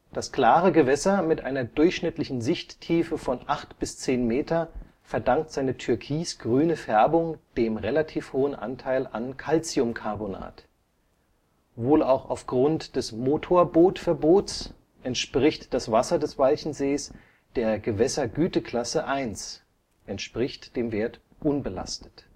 Das klare Gewässer mit einer durchschnittlichen Sichttiefe von 8 bis 10 m verdankt seine türkis-grüne Färbung dem relativ hohen Anteil an Kalziumkarbonat. Wohl auch aufgrund des Motorbootverbots entspricht das Wasser des Walchensees der Gewässergüteklasse I (= unbelastet